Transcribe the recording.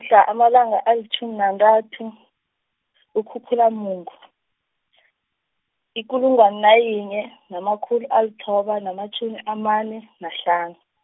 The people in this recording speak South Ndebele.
mhla amalanga alitjhumi nantathu, kuKhukhulamungu , ikulungwana nayiyinye, namakhulu alithoba namatjhumi amane, nahlanu.